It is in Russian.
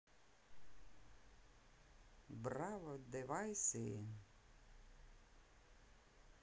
браво девайсы